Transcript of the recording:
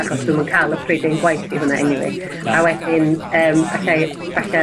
achos dw'm yn ca'l upgrade un gwaith 'di hwnna enwie a wedyn yym allai, falle